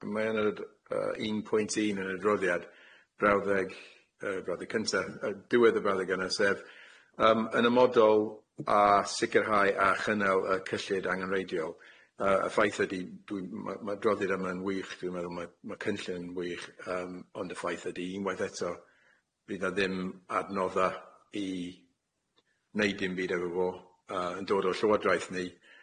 mae yn yr yy un pwynt un yn y adroddiad, brawddeg yy brawddeg cynta yy dwedd y brawddeg yna sef yym yn ymodol a sicirhau a chynnal y cyllid angenreidiol yy y ffaith ydi dwi'n ma' ma' adroddiad yma'n wych dwi'n meddwl ma' ma' cynllun yn wych yym ond y ffaith ydi unwaith eto bydd na ddim adnodda i neud dim byd efo fo yy yn dod o'r llywodraeth ni.